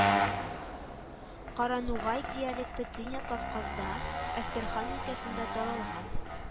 Каранугай диалекты Төньяк Кавказда, Әстерхан өлкәсендә таралган